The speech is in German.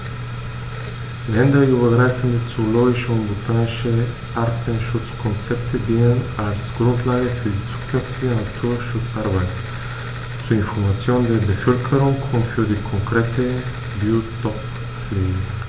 Länderübergreifende zoologische und botanische Artenschutzkonzepte dienen als Grundlage für die zukünftige Naturschutzarbeit, zur Information der Bevölkerung und für die konkrete Biotoppflege.